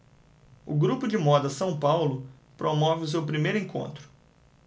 o grupo de moda são paulo promove o seu primeiro encontro